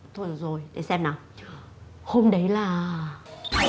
thôi được rồi để xem nào hôm đấy là